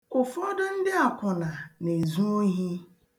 Ụfọdụ ndị akwụna na-ezu ohi.